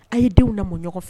A ye denw na mɔ ɲɔgɔnɔgɔ fɛ